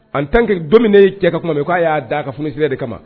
An tan dumuni cɛ ka tuma min k'a y'a daa ka fonisiyɛ de kama